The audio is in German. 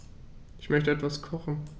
Ich möchte etwas kochen.